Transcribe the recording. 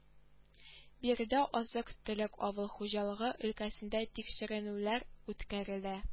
Биредә азык-төлек авыл хуҗалыгы өлкәсендә тикшеренүләр үткәрелә